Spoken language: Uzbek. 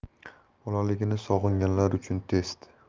bolaligini sog'inganlar uchun test